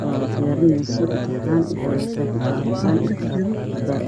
Halkan wax joogto gabar diyaarinayso imtaxaan